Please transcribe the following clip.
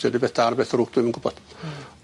Sy'n rwbeth da rwbeth ddrwg dwi'm yn gwbod.